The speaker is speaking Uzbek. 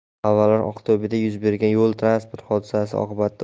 avvalroq aqto'beda yuz bergan yo transport hodisasi oqibatida